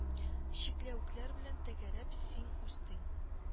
Чикләвекләр белән тәгәрәп син үстең